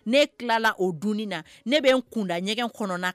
Ne tilala o dunni na, ne bɛ n kunda ɲɛgɛn kɔnɔna